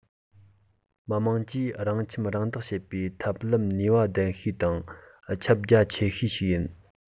མི དམངས ཀྱིས རང ཁྱིམ རང བདག བྱེད པའི ཐབས ལམ ནུས པ ལྡན ཤོས དང ཁྱབ རྒྱ ཆེ ཤོས ཤིག ཡིན